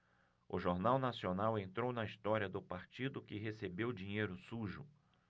o jornal nacional entrou na história do partido que recebeu dinheiro sujo